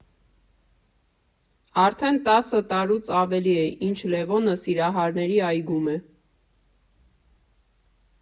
Արդեն տասը տարուց ավելի է՝ ինչ Լևոնը Սիրահարների այգում է։